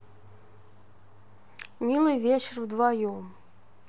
милый вечер вдвоем